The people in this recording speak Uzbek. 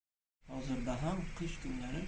hozirda ham qish kunlari